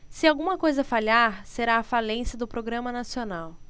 se alguma coisa falhar será a falência do programa nacional